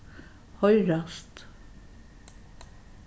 hoyrast